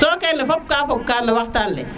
to kene fop ka fog ka no waxtaan le